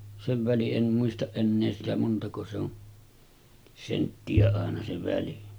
sen välin en muista enää sitä montako se on senttiä aina se väli